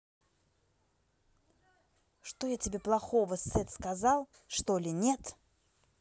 что я тебе плохого сет сказал что ли нет